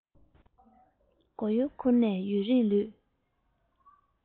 མགོ ཡུ འཁོར ནས ཡུན རིང ལུས